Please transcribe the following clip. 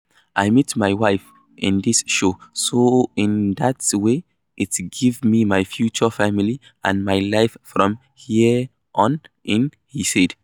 I met my wife in this show, so in that way it gave me my future family, and my life from here on in,' he said.